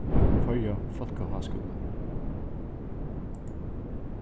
føroya fólkaháskúli